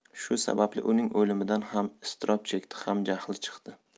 shu sababli uning o'limidan ham iztirob chekdi ham jahli chiqdi